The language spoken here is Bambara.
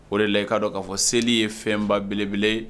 O de la i'a dɔn k'a fɔ seli ye fɛnba belebele